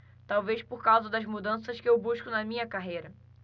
talvez por causa das mudanças que eu busco na minha carreira